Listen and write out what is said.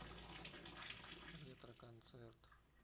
ретро концерт